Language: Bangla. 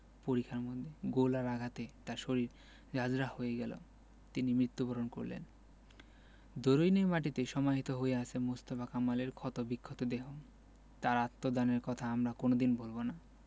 পরিখার মধ্যে গোলার আঘাতে তার শরীর ঝাঁঝরা হয়ে গেল তিনি মৃত্যুবরণ করলেন দরুইনের মাটিতে সমাহিত হয়ে আছে মোস্তফা কামালের ক্ষতবিক্ষত দেহ তাঁর আত্মদানের কথা আমরা কোনো দিন ভুলব না